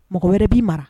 Mɔgɔ wɛrɛ b'i mara.